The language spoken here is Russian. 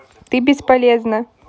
ты бесполезна